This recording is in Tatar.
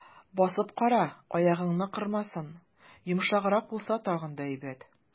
Басып кара, аягыңны кырмасын, йомшаграк булса, тагын да әйбәт.